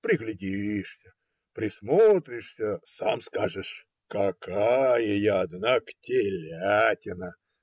Приглядишься, присмотришься, сам скажешь: "какая я, однако, телятина"